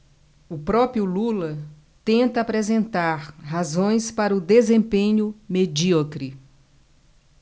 o próprio lula tenta apresentar razões para o desempenho medíocre